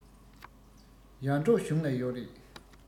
ཡར འབྲོག གཞུང ལ ཡོག རེད